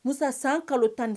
Musa san kalo tandi